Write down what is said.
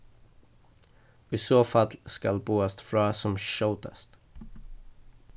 í so fall skal boðast frá sum skjótast